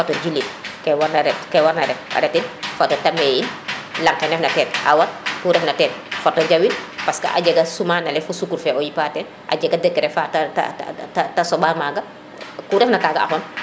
fato jilin ke wana ret a retin fato tame in laŋ ke ndef na teen a wt ku refna teen fato jawin parce a jega sumana le fo sukur fw o yipa teen a jega degrés fa te te te somba ,maga kouref na taga a xon